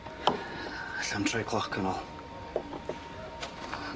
Ella'm troi cloc yn ôl.